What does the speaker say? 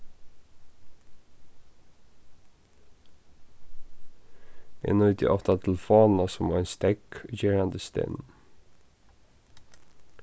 eg nýti ofta telefonina sum ein steðg í gerandisdegnum